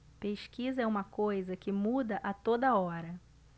pesquisa é uma coisa que muda a toda hora